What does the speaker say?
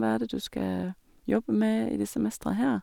Hva er det du skal jobbe med i det semesteret her?